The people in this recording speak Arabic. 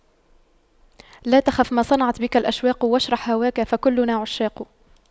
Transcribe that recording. لا تخف ما صنعت بك الأشواق واشرح هواك فكلنا عشاق